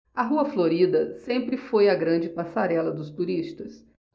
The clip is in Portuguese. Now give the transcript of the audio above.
a rua florida sempre foi a grande passarela dos turistas